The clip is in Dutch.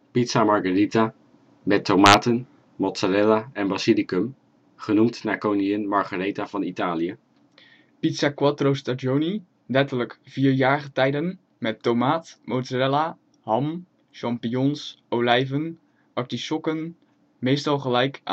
Pizza Margherita (tomaten, mozzarella en basilicum) (genoemd naar koningin Margaretha van Italië) Pizza Quattro Stagioni (letterlijk: vier jaargetijden) (tomaat, mozzarella, ham, champignons, olijven, artisjokken: meestal gelijk